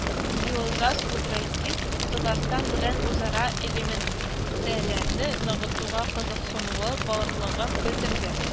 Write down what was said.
Юозас Будрайтис Татарстан белән үзара элемтәләрне ныгытуга кызыксынуы барлыгын белдерде